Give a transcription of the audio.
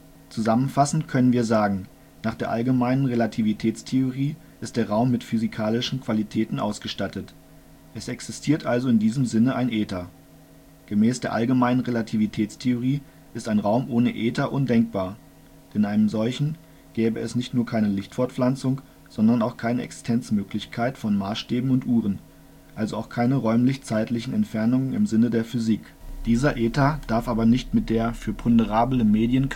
Zusammenfassend können wir sagen: Nach der allgemeinen Relativitätstheorie ist der Raum mit physikalischen Qualitäten ausgestattet; es existiert also in diesem Sinne ein Äther. Gemäß der allgemeinen Relativitätstheorie ist ein Raum ohne Äther undenkbar; denn in einem solchen gäbe es nicht nur keine Lichtfortpflanzung, sondern auch keine Existenzmöglichkeit von Maßstäben und Uhren, also auch keine räumlich-zeitlichen Entfernungen im Sinne der Physik. Dieser Äther darf aber nicht mit der für ponderable Medien